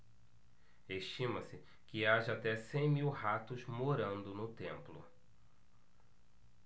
estima-se que haja até cem mil ratos morando no templo